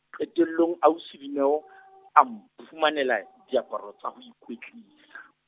qetellong ausi Dineo, a mphumanela, diaparo tsa ho ikwetlisa.